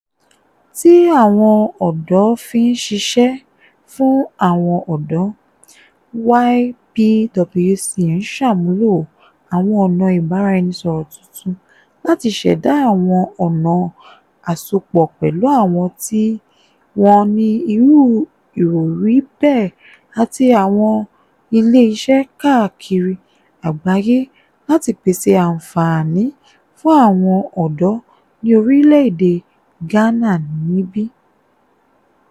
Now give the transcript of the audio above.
Tí àwọn ọ̀dọ́ fí ń ṣiṣẹ́, fún àwọn ọ̀dọ́, YPWC ń sàmúlò àwọn ọ̀nà ìbáraẹnisọ̀rọ̀ tuntun láti ṣẹ̀dá àwọn ọ̀nà àsopọ̀ pẹ̀lú àwọn tí wọ́n ní irú ìròrí bẹ́ẹ̀ àti àwọn ilé iṣẹ́ káàkiri àgbáyé láti pèsè àǹfààní fún àwọn ọ̀dọ́ ní orílẹ̀ èdè Ghana níbí.